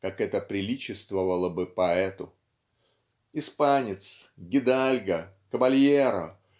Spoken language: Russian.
как это приличествовало бы поэту. Испанец идальго кабальеро